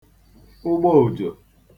ụgbọ òjò